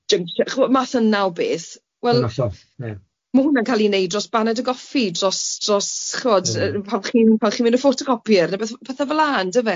chi'bod math yna o beth... Yn hollol ie... wel ma' hwnna'n ca'l ei neud dros baned y goffi, dros dros chi'bod yy pan chi'n pan chi'n mynd i'r photocopier neu beth petha fel'ca yndyfe?